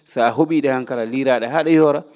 so a ho?ii han kalan liiraa?e haa ?e njoora